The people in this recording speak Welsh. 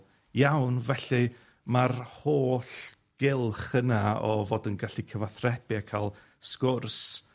iawn felly ma'r holl gylch yna o fod yn gallu cyfathrebu a ca'l sgwrs